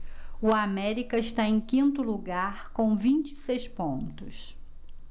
o américa está em quinto lugar com vinte e seis pontos